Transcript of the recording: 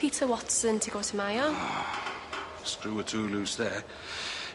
Peter Watson ti'n gwbo su' mae o? O! Screw or two loose there.